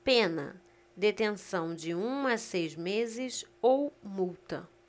pena detenção de um a seis meses ou multa